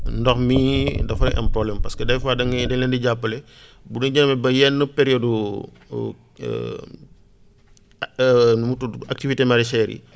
ndox mi dafay am problème parce que des fois da ngay dañ leen di jàppale bu ñu demee ba yenn période nu mu tudd activité maraichère yi